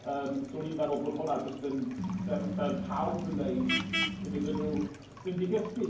Yym, so o'n i'n meddwl bod hwnna jyst yn be ma'... be' oedd pawb yn ddeud cyn iddyn nhw fynd i gysgu.